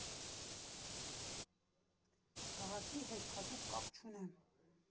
Քաղաքի հետ հատուկ կապ չունեմ։